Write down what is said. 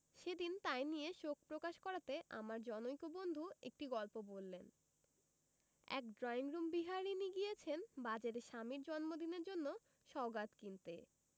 সেদিন তাই নিয়ে শোকপ্রকাশ করাতে আমার জনৈক বন্ধু একটি গল্প বললেন এক ড্রইংরুম বিহারীণী গিয়েছেন বাজারে স্বামীর জন্মদিনের জন্য সওগাত কিনতে